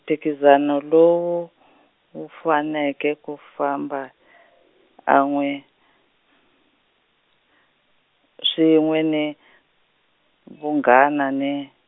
mphikizano lowu, wu faneke ku famba , kanwe, swin'we ni, vunghana ni.